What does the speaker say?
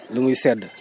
lu muy sedd